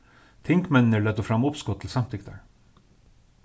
tingmenninir løgdu fram uppskot til samtyktar